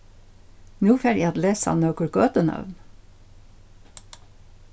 nú fari eg at lesa nøkur gøtunøvn